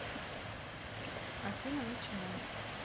афина начинай